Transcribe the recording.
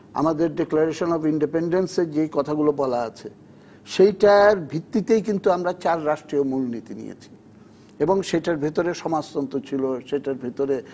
আমাদের declaration of independence এর যে কথাগুলো বলা আছে সেটার ভিত্তিতেই কিন্তু আমরা 4 রাষ্ট্রীয় মূলনীতি নিয়েছি এবং সেটার ভিতরে সমাজতন্ত্র ছিল সেটার ভিতরে